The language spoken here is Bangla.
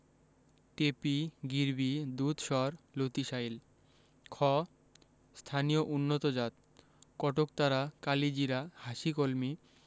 টেপি গিরবি দুধসর লতিশাইল খ স্থানীয় উন্নতজাত কটকতারা কালিজিরা হাসিকলমি